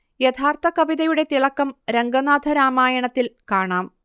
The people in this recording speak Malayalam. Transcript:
യഥാർഥ കവിതയുടെ തിളക്കം രംഗനാഥ രാമായണത്തിൽ കാണാം